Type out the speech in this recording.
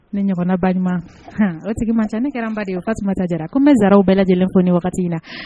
Ne ɲɔgɔn balima o tigi ma tɛ ne kɛra ba de ye o tasuma ta jɛra ko n bɛsaraw bɛɛ lajɛlen ko ne wagati in na